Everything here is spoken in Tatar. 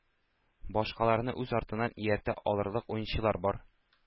Башкаларны үз артыннан ияртә алырлык уенчылар бар.